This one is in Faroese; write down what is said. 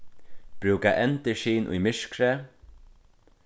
brúka endurskin í myrkri